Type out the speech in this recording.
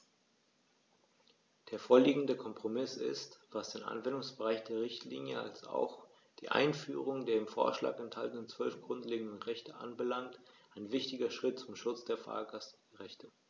Der vorliegende Kompromiss ist, was den Anwendungsbereich der Richtlinie als auch die Einführung der im Vorschlag enthaltenen 12 grundlegenden Rechte anbelangt, ein wichtiger Schritt zum Schutz der Fahrgastrechte.